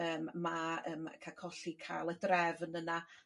yym ma' yym ca'l... Colli ca'l y drefn yna